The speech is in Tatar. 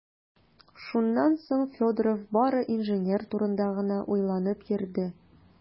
Шуннан соң Федоров бары инженер турында гына уйланып йөрде.